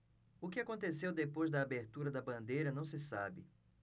o que aconteceu depois da abertura da bandeira não se sabe